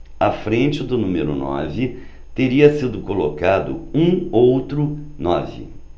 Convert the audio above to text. à frente do número nove teria sido colocado um outro nove